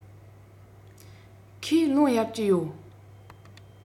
ཁོས རླུང གཡབ གྱི ཡོད